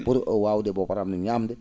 pour o waawde bo para* ñaamde